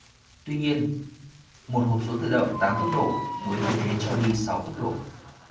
tuy nhiên một hộp số tự động tám tốc độ mới thay thế cho đi sáu tốc độ